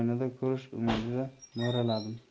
oynada ko'rish umidida mo'raladim